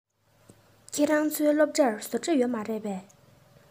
ཁྱོད རང ཚོའི སློབ གྲྭར བཟོ གྲྭ ཡོད རེད པས